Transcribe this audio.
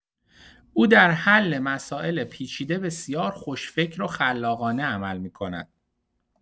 او در حل مسائل پیچیده بسیار خوش‌فکر و خلاقانه عمل می‌کند.